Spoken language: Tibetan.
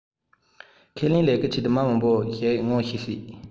ཁས ལེན ལས ཀའི ཆེད དུ མི མང པོ ཞིག ངོ ཤེས སྲིད